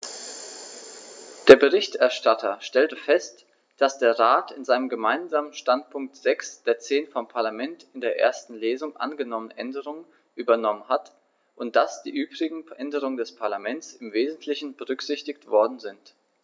Der Berichterstatter stellte fest, dass der Rat in seinem Gemeinsamen Standpunkt sechs der zehn vom Parlament in der ersten Lesung angenommenen Änderungen übernommen hat und dass die übrigen Änderungen des Parlaments im wesentlichen berücksichtigt worden sind.